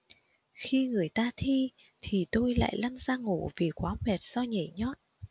khi người ta thi thì tôi lại lăn ra ngủ vì quá mệt do nhảy nhót